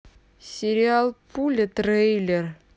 сериал пуля трейлер